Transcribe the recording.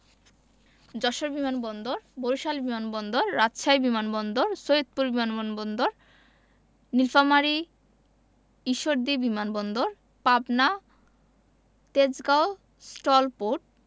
যশোর বিমান বন্দর বরিশাল বিমান বন্দর রাজশাহী বিমান বন্দর সৈয়দপুর বিমান বন্দর নিলফামারী ঈশ্বরদী বিমান বন্দর পাবনা তেজগাঁও স্টল পোর্ট